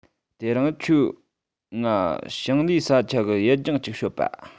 དེ རིང ཁྱོས ངའ ཞིང ལས ས ཆ གི ཡུལ ལྗོངས ཅིག ཤོད པྰ